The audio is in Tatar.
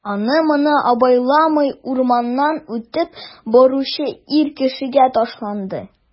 Аны-моны абайламый урамнан үтеп баручы ир кешегә ташланды...